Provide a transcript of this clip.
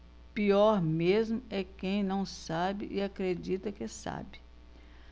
pior mesmo é quem não sabe e acredita que sabe